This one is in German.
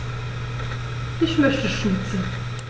Ich möchte Schnitzel.